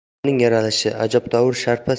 dunyoning yaralishi ajabtovur sharpa